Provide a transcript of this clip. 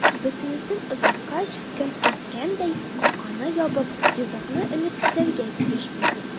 Бөтенесен озаткач, кем әйткәндәй, капканы ябып, йозакны элеп китәргә тиешбез.